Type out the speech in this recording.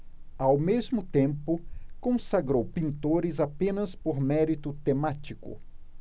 ao mesmo tempo consagrou pintores apenas por mérito temático